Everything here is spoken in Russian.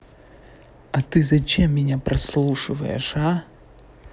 а ты зачем меня прослушиваешь а